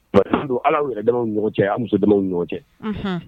Don ala yɛrɛda ɲɔgɔn cɛ a musoda ɲɔgɔn cɛ